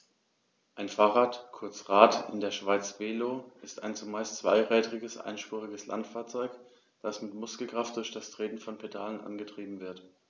Ein Fahrrad, kurz Rad, in der Schweiz Velo, ist ein zumeist zweirädriges einspuriges Landfahrzeug, das mit Muskelkraft durch das Treten von Pedalen angetrieben wird.